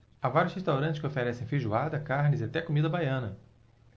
há vários restaurantes que oferecem feijoada carnes e até comida baiana